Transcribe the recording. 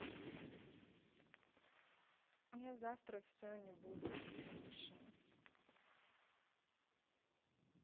я завтра все не буду в машину